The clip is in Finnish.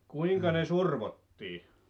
kuinka ne survottiin